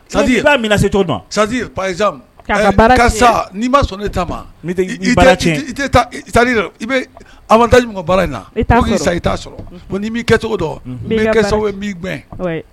Sa se sa sa nii'a sɔrɔ ne taa i bɛ bala in na sa i t' sɔrɔ ni'i kɛcogo dɔn kɛ sababu ye b'i gɛn